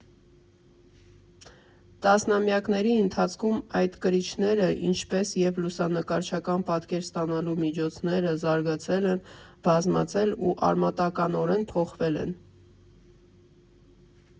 Տասնամյակների ընթացքում այդ կրիչները, ինչպես և լուսանկարչական պատկեր ստանալու միջոցները զարգացել են, բազմացել ու արմատականորեն փոխվել են։